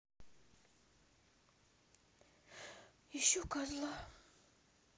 ищу козла